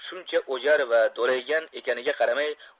shuncha o'jar va do'laygan ekaniga qaramay